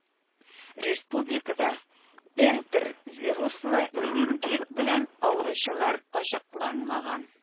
Республикада энтеровируслы менингит белән авыручылар ачыкланмаган.